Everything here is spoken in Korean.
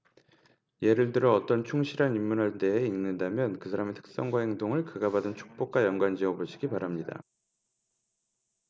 예를 들어 어떤 충실한 인물에 대해 읽는다면 그 사람의 특성과 행동을 그가 받은 축복과 연관 지어 보시기 바랍니다